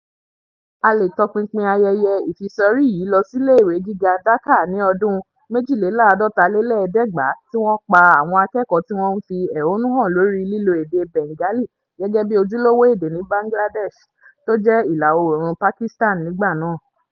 A lè tọpinpin ayeye ìfisọrí yìí lọ sí iléèwé gíga Dhaka ní ọdún 1952 tí wọ́n pa àwọn akẹ́kọ̀ọ́ tí wọ́n ń fi èhónú han lóri lílo èdè Bengali gẹ́gẹ́ bi ojúlówó èdè ní Bangladesh ( tó jẹ́ ìlà oòrùn Pakistan nígbà náà)